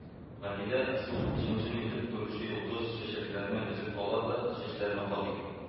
Гадилә шул җем-җем итеп торучы йолдыз-чәчәкләрне өзеп ала да чәчләренә кадый